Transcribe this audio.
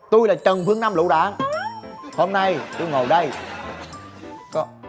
tôi là trần vương nam lựu đạn hôm nay tôi ngồi đây có